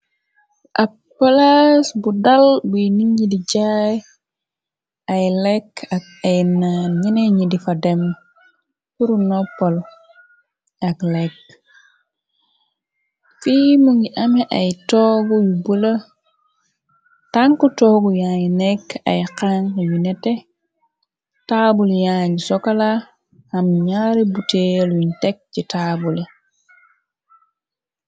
Ak palas bu dal buiy nit ngi di jaay ay lakk ak ay naan, ñene ñi di fa dem purr nopaluu ak lake. Fii mu ngi am ay toogu yu bula tank toogu yaañu nekk ay xang yu nete, taabul yaa ngi sokola, am ñaari butail yuñ tekk ci taabuli.